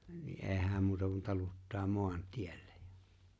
niin ei hän muuta kuin taluttaa maantielle